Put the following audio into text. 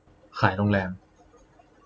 ขายโรงแรม